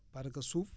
parce que suuf